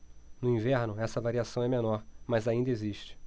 no inverno esta variação é menor mas ainda existe